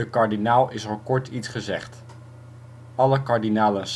kardinaal is al kort iets gezegd. Alle kardinalen